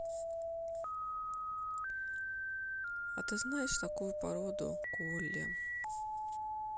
а ты знаешь такую породу колли